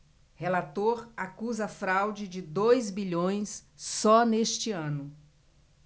relator acusa fraude de dois bilhões só neste ano